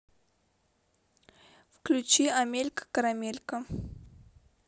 включи амелька карамелька